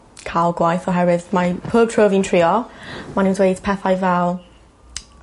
ca'l gwaith oherwydd ,ae'n pob tro fi'n trio ma' nw'n dweud pethau fel